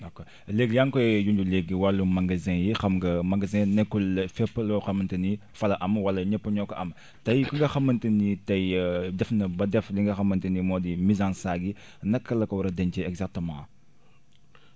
waaw kay léegi yaa ngi koy junj léegi wàllum magasin yi xam nga magasin nekkul fépp loo xamante ni fa la am wala ñëpp ñoo ko am tey ki nga xamante ni nii tey def na ba def li nga xamante ni moo di mise en sac yi naka la ko war a dencee exactement